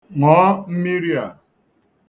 Ṅụọ mmiri a.